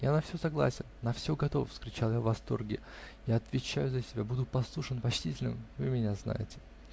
я на всё согласен, на всё готов, -- вскричал я в восторге, -- я отвечаю за себя -- буду послушен, почтителен. вы меня знаете.